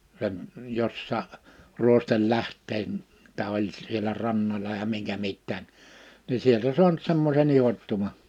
- jossakin ruostelähteen että oli siellä rannalla ja minkä mitäkin niin sieltä saanut semmoisen ihottuman